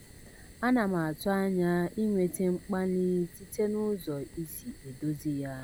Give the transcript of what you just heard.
Ana m atụ anya inweta mkpali site n'ụzọ i si edozi ya.